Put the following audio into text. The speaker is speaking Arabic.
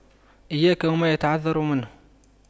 إياك وما يعتذر منه